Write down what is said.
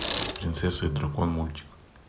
принцесса и дракон мультик